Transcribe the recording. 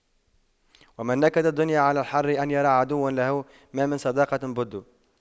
ومن نكد الدنيا على الحر أن يرى عدوا له ما من صداقته بد